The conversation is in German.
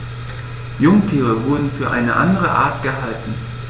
Jungtiere wurden für eine andere Art gehalten.